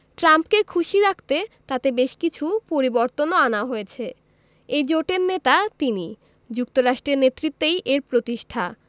ট্রাম্পকে খুশি রাখতে তাতে বেশ কিছু পরিবর্তনও আনা হয়েছে এই জোটের নেতা তিনি যুক্তরাষ্ট্রের নেতৃত্বেই এর প্রতিষ্ঠা